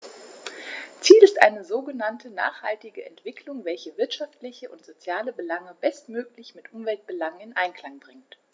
Ziel ist eine sogenannte nachhaltige Entwicklung, welche wirtschaftliche und soziale Belange bestmöglich mit Umweltbelangen in Einklang bringt.